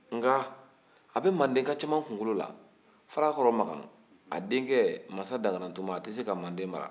nka a bɛ mandenka caman kunkolo la farakɔrɔ makan a denkɛ masa dankaratuma a tɛ se ka manden mara